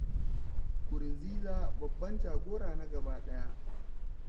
Nkurunziza, 'babban jagora na gabaɗaya'